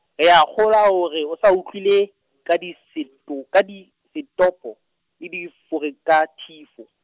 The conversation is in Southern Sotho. re a kgolwa hore o sa utlwile, ka diseto-, ka disetopo, le diforekathifo.